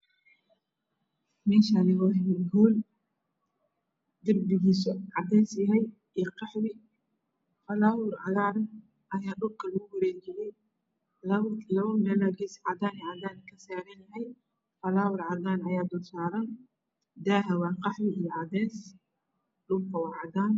Meeshaan waa hool darbigiisu cadeys iyo qaxwi yahay falaawar cagaaran ayaa dhulka lugu wareejiyay. Falaawar ka labo meel ayaa cadaan iyo cadaan kasaaran yahay daaha waa qaxwi iyo cadeys. Dhulku waa cadaan.